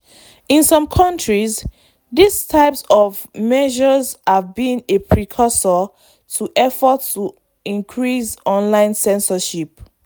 In some countries, these types of measures have been a precursor to efforts to increase online censorship.